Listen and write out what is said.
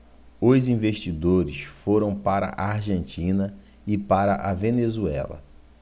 os investidores foram para a argentina e para a venezuela